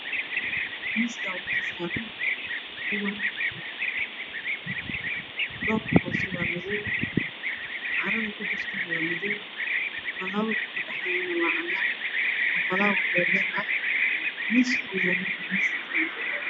Miskan waxaa saran ubax caguu aaa madow caradana waa madow falawarkuna waa cagar waa falawar dhee dheer miskuna waa qalin